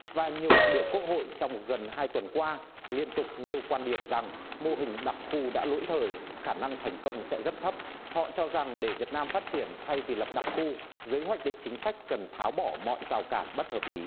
và nhiều đại biểu quốc hội trong gần hai tuần qua liên tục nêu quan điểm rằng mô hình đặc khu đã lỗi thời khả năng thành công sẽ rất thấp họ cho rằng để việt nam phát triển thay vì lập đặc khu giới hoạch định chính sách cần tháo bỏ mọi rào cản bất hợp lý